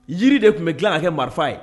Yiri de kun bi gilan ka kɛ marifa ye.